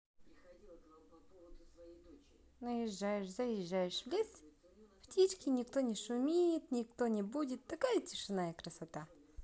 наезжаешь заезжаешь в лес птичке никто не шумит никто не будит такая тишина и красота